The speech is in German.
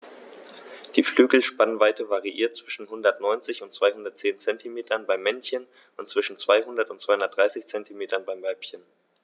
Die Flügelspannweite variiert zwischen 190 und 210 cm beim Männchen und zwischen 200 und 230 cm beim Weibchen.